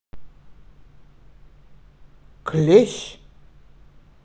клещ